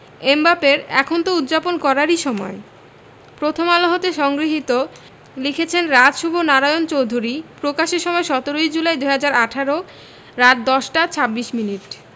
এমবাপ্পের এখন তো উদ্ যাপন করারই সময় প্রথম আলো হতে সংগৃহীত লিখেছেন রাজ শুভ নারায়ণ চৌধুরী প্রকাশের সময় ১৭ই জুলাই ২০১৮ রাত ১০টা ২৬ মিনিট